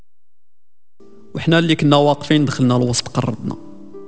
واحنا اللي كنا واقفين دخلنا واستقرارنا